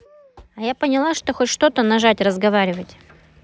а я поняла что хоть что то нажать разговаривать